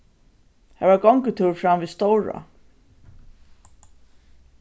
har var gongutúrur fram við stórá